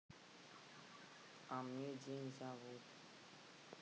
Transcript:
а мне день зовут